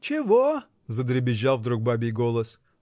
"Чего?" -- задребезжал вдруг бабий голос.